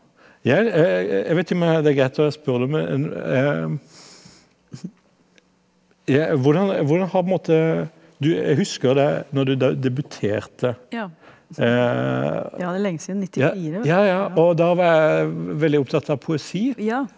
jeg jeg vet ikke om det er greit om jeg spør deg men jeg hvordan hvordan har på en måte du jeg husker deg når du debuterte ja ja ja og da var jeg veldig opptatt av poesi.